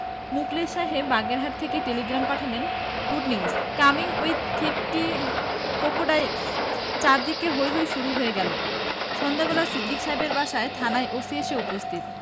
মুখলেস সাহেব বাগেরহাট থেকে টেলিগ্রাম পাঠালেন good news. Coming with fifty crocodiles চারদিকে হৈ হৈ শুরু হয়ে গেল সন্ধ্যাবেলা সিদ্দিক সাহেবের বাসায় থানার ওসি এসে উপস্থিত